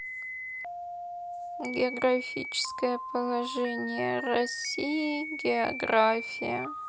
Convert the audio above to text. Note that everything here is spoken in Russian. географическое положение россии география